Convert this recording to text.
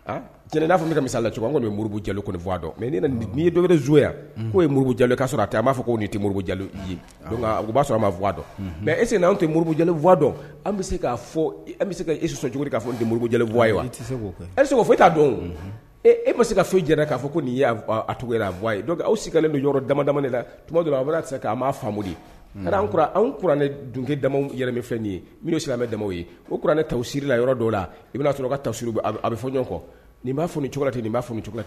Jɛnɛ n'a bɛ misisala cogoya don muruurubu jalo dɔn mɛ ne'i ye dɔɛrɛo yan ko' muru ja k'a a b'a fɔ koo te muru jalo ye u b'a sɔrɔ a ma dɔn mɛ ese' anw te murubu jale dɔn an bɛ se k'a fɔ an bɛ se ka isu cogo k'a fɔ muruurujɛlewa ye an tɛ se e se fo e t'a dɔn e e ma se ka foyi j k'a fɔ ko nin a tugu ye sigilenkalen don yɔrɔ dama dama na tuma se'a ma faamu'an kkura an kuranɛ ni dun dama yɛlɛmɛ fɛn ye n'o siri anmɛ dama ye o kuranɛ ta siri la yɔrɔ dɔw la i bɛna sɔrɔ ka ta suru a bɛ fɔj kɔ nin b'a fɔ cogo ten nin b'a fɔ cogo ten